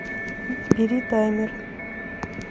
бери таймер